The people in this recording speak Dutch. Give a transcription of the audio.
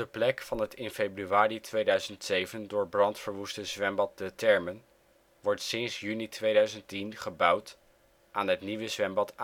plek van het in februari 2007 door brand verwoeste zwembad De Thermen wordt sinds juni 2010 gebouwd aan het nieuwe zwembad